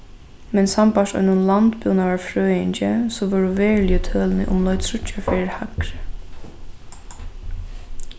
men sambært einum landbúnaðarfrøðingi so vóru veruligu tølini umleið tríggjar ferðir hægri